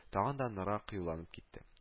Тагын да ныграк кыюланып китте